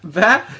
Be?